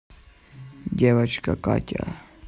девочка катя